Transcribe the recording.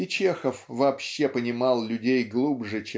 и Чехов вообще понимал людей глубже